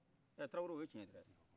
ɛ tarawore o ye cinye dai